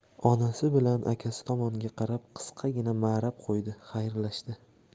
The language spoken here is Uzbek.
onasi bilan akasi tomonga qarab qisqagina marab qo'ydi xayrlashdi